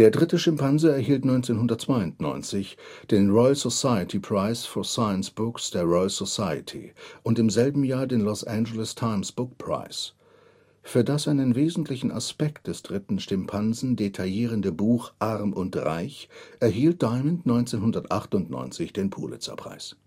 dritte Schimpanse erhielt 1992 den Royal Society Prize for Science Books der Royal Society und im selben Jahr den Los Angeles Times Book Prize. Für das einen wesentlichen Aspekt des „ Dritten Schimpansen “detaillierende Buch Arm und Reich erhielt Diamond 1998 den Pulitzer-Preis